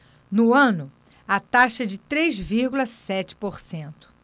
no ano a taxa é de três vírgula sete por cento